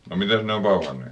no mitäs ne on pauhanneet